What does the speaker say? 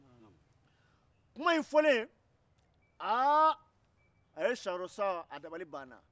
kuma in fɔlen siyanro schɔn dabali banna